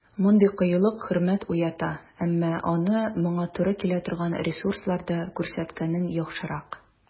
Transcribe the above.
Мондый кыюлык хөрмәт уята, әмма аны моңа туры килә торган ресурсларда күрсәткәнең яхшырак.